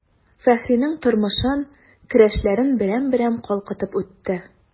Фәхринең тормышын, көрәшләрен берәм-берәм калкытып үтте.